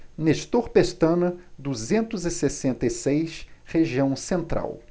nestor pestana duzentos e sessenta e seis região central